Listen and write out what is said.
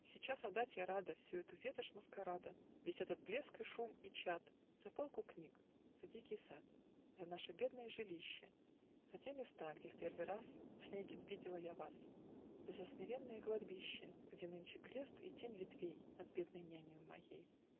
Сейчас отдать я рада Всю эту ветошь маскарада, Весь этот блеск, и шум, и чад За полку книг, за дикий сад, За наше бедное жилище, За те места, где в первый раз, Онегин, видела я вас, Да за смиренное кладбище, Где нынче крест и тень ветвей Над бедной нянею моей.